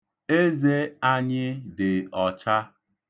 Eze anyị dị ọcha.